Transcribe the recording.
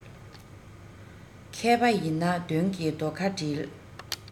མཁས པ ཡིན ན དོན གྱི རྡོ ཁ སྒྲིལ